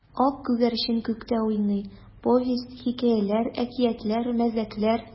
Ак күгәрчен күктә уйный: повесть, хикәяләр, әкиятләр, мәзәкләр.